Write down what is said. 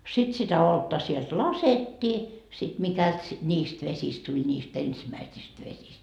sitten sitä olutta sieltä laskettiin sitten mikäli - niistä vesistä tuli niistä ensimmäisistä vesistä